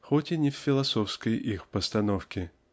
хотя и не в философской их постановке